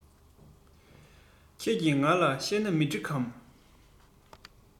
ཁྱེད ཀྱི ང ལ གཤད ན མི གྲིག གམ